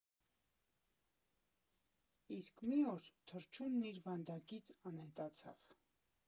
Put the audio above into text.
Իսկ մի օր թռչունն իր վանդակից անհետացավ։